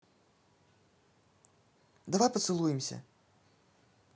давай поцелуемся